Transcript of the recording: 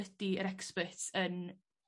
ydi yr experts yn